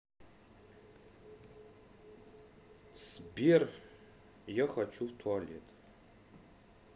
сбер я хочу в туалет